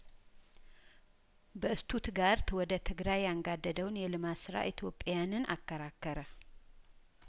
በእስቱትጋርት ወደ ትግራይ ያንጋደደውን የልማት ስራ ኢትዮጵያንን አከራከረ